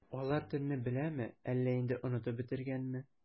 Алар телне беләме, әллә инде онытып бетергәнме?